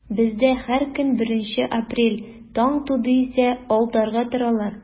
Бездә һәр көн беренче апрель, таң туды исә алдарга торалар.